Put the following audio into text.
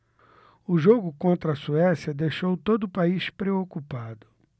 o jogo contra a suécia deixou todo o país preocupado